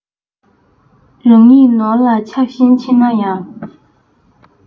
རང ཉིད ནོར ལ ཆགས ཞེན ཆེ ན ཡང